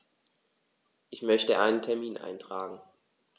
Ich möchte einen Termin eintragen.